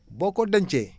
boo ko dencee